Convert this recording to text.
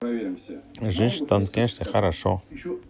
жизнь в ташкенте хорошо